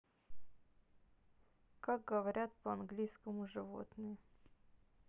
как говорят по английскому животные